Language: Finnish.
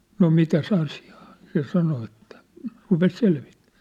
no mitäs asiaa se sanoi että rupesi selvittämään